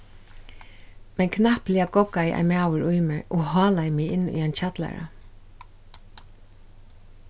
men knappliga goggaði ein maður í meg og hálaði meg inn í ein kjallara